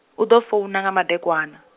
u ḓo founa nga madekwana .